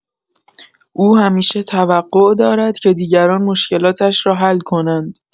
او همیشه توقع دارد که دیگران مشکلاتش را حل کنند.